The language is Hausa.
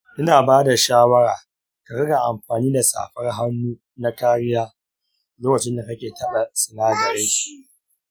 ina ba da shawara ka riƙa amfani da safar hannu na kariya lokacin da kake taɓa sinadarai.